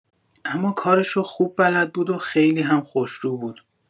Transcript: اما کارشو خوب بلد بود و خیلی هم خوش‌رو بود.